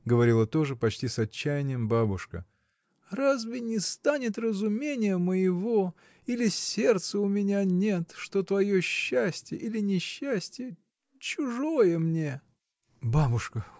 — говорила тоже почти с отчаянием бабушка, — разве не станет разумения моего или сердца у меня нет, что твое счастье или несчастье. чужое мне?. — Бабушка!